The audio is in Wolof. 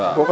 waaw